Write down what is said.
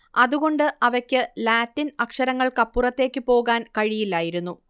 അതുകൊണ്ട് അവയ്ക്ക് ലാറ്റിൻ അക്ഷരങ്ങൾക്കപ്പുറത്തേയ്ക്ക് പോകാൻ കഴിയില്ലായിരുന്നു